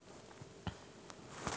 пс четыре нед фор спид